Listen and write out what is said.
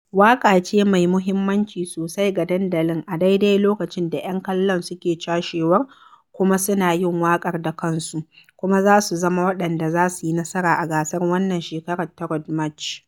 Waƙa ce mai muhimmanci sosai ga dandalin a daidai lokacin da 'yan kallon suke cashewar kuma suna "yin waƙar da kansu", kuma za su zama waɗanda za su yi nasara a gasar wannan shekarar ta Road March.